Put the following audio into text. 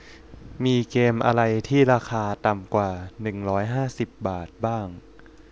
มีเกมอะไรที่ราคาต่ำกว่าหนึ่งร้อยห้าสิบบาทบ้าง